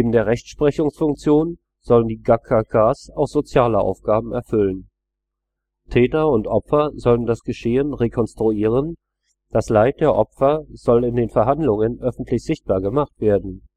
der Rechtsprechungsfunktion sollen die Gacacas auch soziale Aufgaben erfüllen. Täter und Opfer sollen das Geschehen rekonstruieren, das Leid der Opfer soll in den Verhandlungen öffentlich sichtbar gemacht werden